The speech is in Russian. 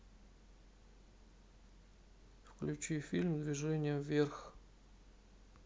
включи фильм движение вверх